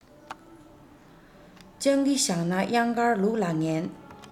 སྤྱང ཀི བཞག ན གཡང དཀར ལུག ལ ངན